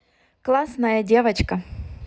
классная девочка